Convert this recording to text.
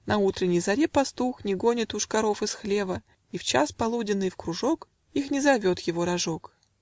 На утренней заре пастух Не гонит уж коров из хлева, И в час полуденный в кружок Их не зовет его рожок